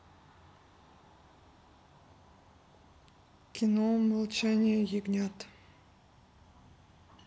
кино молчание ягнят